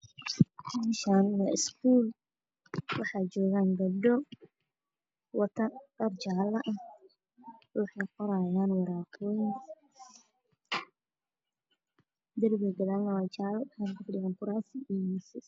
Meeshaan oo iskuul ha joogaan gabdho wataana iyo wiilal wataan waxay ku fadhiyaan kuraas jaallada waxaa ka dambeeyay derbi jaallah waxay wataan shaahdaan